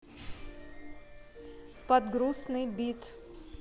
под грустный бит